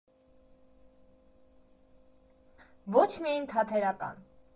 Ոչ միայն թատերական։